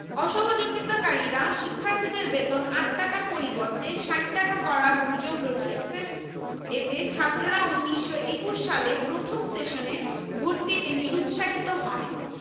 ১৯৪৭ সালে ভারত বিভাগের পর ঢাকা বিশ্ববিদ্যালয়ের কর্মকান্ডে পরিবর্তন আসে